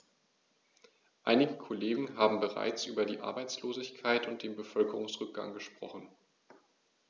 Einige Kollegen haben bereits über die Arbeitslosigkeit und den Bevölkerungsrückgang gesprochen.